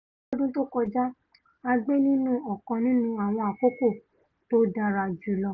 Lọ́dún tó kọjá a gbé nínù ọ̀kan nínú àwọn àkókò tó dára jùlọ.